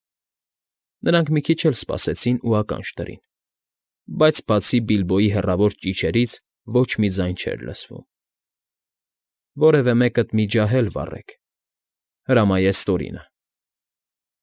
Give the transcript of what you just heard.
Նրանք մի քիչ էլ սպասեցին ու ականջ դրին, բայց, բացի Բիլբոյի հեռավոր ճիչերից, ոչ մի ձայն չէր լսվում։ ֊ Որևէ մեկդ մի ջահ էլ վառեք,֊ հրամայեց Տորինը։֊